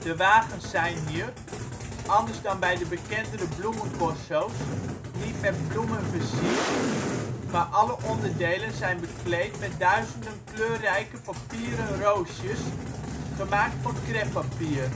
De wagens zijn hier, anders dan bij de bekendere bloemencorso 's, niet met bloemen versierd, maar alle onderdelen zijn bekleed met duizenden kleurrijke papieren roosjes, gemaakt van crêpepapier